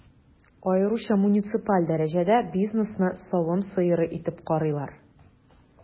Аеруча муниципаль дәрәҗәдә бизнесны савым сыеры итеп карыйлар.